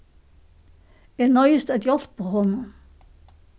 eg noyðist at hjálpa honum